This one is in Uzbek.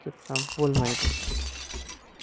deb ham bo'lmaydi